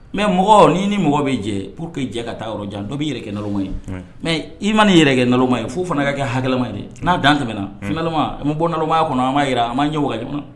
Mɛ mɔgɔ nii ni mɔgɔ bɛ jɛ pur quee jɛ ka taa yɔrɔ jan dɔ bɛi yɛrɛ kɛma ye mɛ i ma nin yɛrɛ kɛ naloma ye f'u fana ka kɛ hakɛma ye n'a dan tɛmɛna flama bɛ bɔ nalomaya kɔnɔ an jira a ma ɲɛ min